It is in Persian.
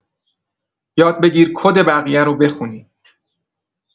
یاد بگیر کد بقیه رو بخونی.